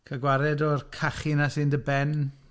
Cael gwared o'r cachu 'na sy'n dy ben.